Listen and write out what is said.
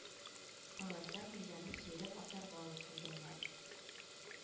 Палачлар Хуҗаны сөйрәп асарга алып килгәннәр.